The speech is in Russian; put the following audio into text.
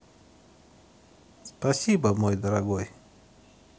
спасибо мой дорогой